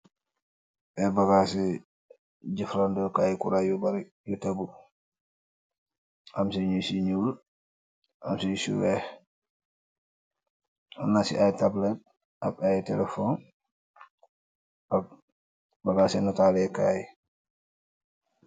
Ay bagase jefradekaay kuran yu bari yu tegu am si yu ci nuul am si yu si weex anna ci ay tablet ab ay telefon ak bagas si notaalee kaay.